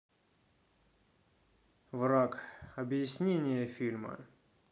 враг объяснение фильма